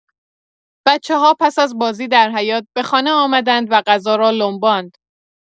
بچه‌ها پس از بازی در حیاط، به خانه آمدند و غذا را لمباند.